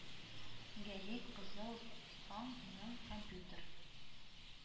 Гәзит Кызыл таң ның компьютер